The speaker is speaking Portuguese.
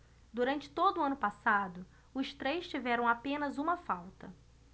durante todo o ano passado os três tiveram apenas uma falta